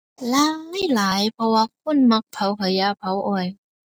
หลายหลาย เพราะว่าคนมักเผาขยะ เผาอ้อย